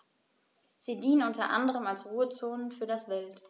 Sie dienen unter anderem als Ruhezonen für das Wild.